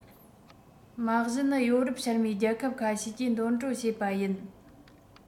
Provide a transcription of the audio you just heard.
མ གཞི ནི ཡོ རོབ ཤར མའི རྒྱལ ཁབ ཁ ཤས ཀྱིས འདོན སྤྲོད བྱས པ ཡིན